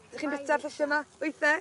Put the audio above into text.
'Dych chi'n bita'r llysie 'ma weithe?